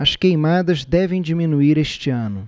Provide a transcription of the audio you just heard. as queimadas devem diminuir este ano